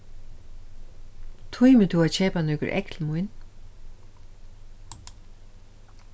tímir tú at keypa nøkur egg til mín